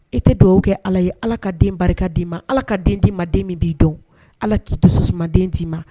E te duwawu kɛ Ala ye Ala ka den barika d'i ma Ala ka den d'i ma den min b'i dɔn Ala k'i dususuma den d'i ma